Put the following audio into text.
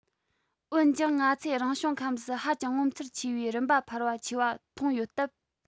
འོན ཀྱང ང ཚོས རང བྱུང ཁམས སུ ཧ ཅང ངོ མཚར ཆེ བའི རིམ པ འཕར བ མཆིས པ མཐོང ཡོད སྟབས